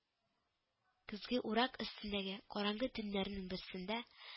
Көзге урак өстендәге караңгы төннәрнең берсендә